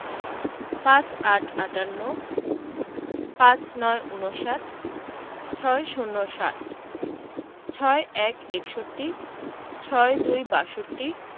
৫৮ আটান্ন ৫৯ ঊনষাট ৬০ ষাট ৬১ একষট্টি ৬২ বাষট্টি